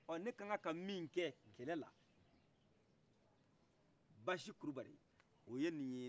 ne kankanka min kɛ kɛlɛla basi kulubali oye nin ye